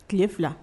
Tile fila